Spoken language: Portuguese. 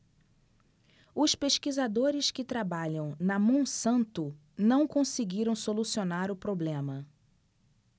os pesquisadores que trabalham na monsanto não conseguiram solucionar o problema